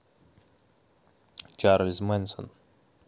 чарльз мэнсон